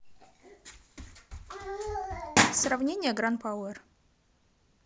сравнение гран пауэр